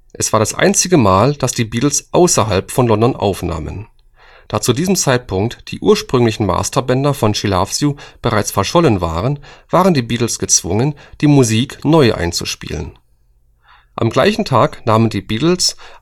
Es war das einzige Mal, dass die Beatles außerhalb von London aufnahmen. Da zu diesem Zeitpunkt die ursprünglichen Masterbänder von She Loves You bereits verschollen waren, waren die Beatles gezwungen, die Musik neu einzuspielen. Am gleichen Tag nahmen die Beatles